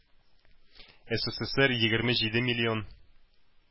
Эсэсэсэр егерме җиде миллион,